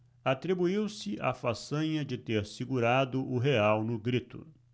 atribuiu-se a façanha de ter segurado o real no grito